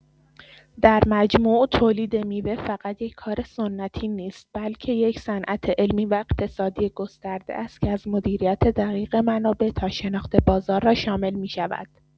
در مجموع تولید میوه فقط یک کار سنتی نیست بلکه یک صنعت علمی و اقتصادی گسترده است که از مدیریت دقیق منابع تا شناخت بازار را شامل می‌شود.